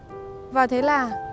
và thế là